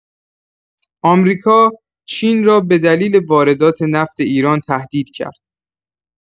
آمریکا، چین را به دلیل واردات نفت ایران تهدید کرد